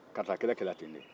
kaarita kɛlɛ kɛra ten de